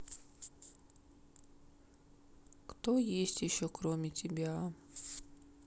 кто есть еще кроме тебя